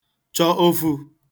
chọ ofū